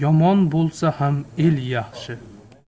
yomon bo'lsa ham el yaxshi